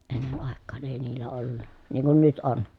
ennen aikaan ei niillä ollut niin kuin nyt on